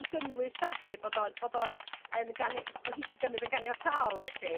i gynnwys o 'llu bod o bod o'n yn gan- o'dd hi 'di gymyd yn ganiataol felly